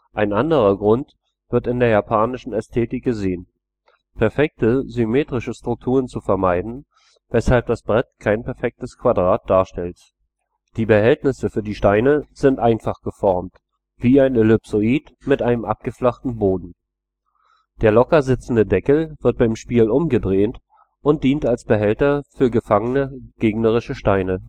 Ein anderer Grund wird in der japanischen Ästhetik gesehen, perfekte symmetrische Strukturen zu vermeiden, weshalb das Brett kein perfektes Quadrat darstellt. Die Behältnisse für die Steine sind einfach geformt, wie ein Ellipsoid mit einem abgeflachten Boden. Der locker sitzende Deckel wird beim Spiel umgedreht und dient als Behälter für gefangene gegnerische Steine